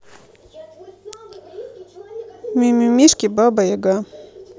мимимишки баба яга